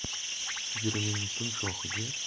sigirining butun shoxiga